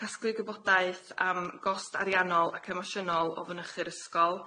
Casglu gwybodaeth am gost ariannol ac emosiynol o fynychu'r ysgol.